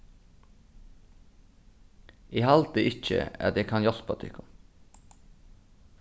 eg haldi ikki at eg kann hjálpa tykkum